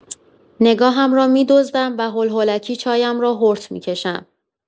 نگاهم را می‌دزدم و هول‌هولکی چایم را هورت می‌کشم.